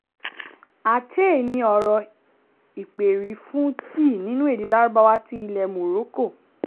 Atay ni ọ̀rọ̀ ìpèrí fún tíì nínú èdè Lárúbáwá ti ilẹ̀ Morocco.